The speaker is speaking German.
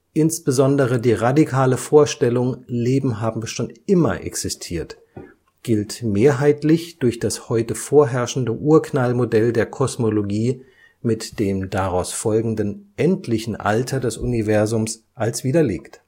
Insbesondere die radikale Vorstellung, Leben habe immer schon existiert, gilt mehrheitlich durch das heute vorherrschende Urknall-Modell der Kosmologie mit dem daraus folgenden endlichen Alter des Universums als widerlegt